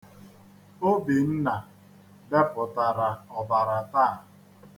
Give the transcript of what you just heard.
Obinna bepụtara ọbara taa.